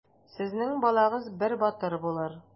Сезнең балагыз бер батыр булыр.